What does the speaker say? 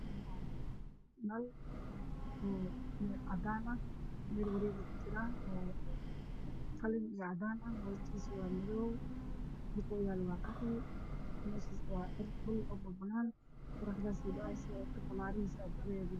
Waa nal cadaan ah oo meel wareega kujiro oo qalin iyo cadaan ah, hoostiisa waa madow dhulku yaalo waa qaxwi waa dhul banaan ah oo qorrax heyso falaarihiisa.